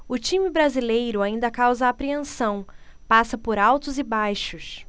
o time brasileiro ainda causa apreensão passa por altos e baixos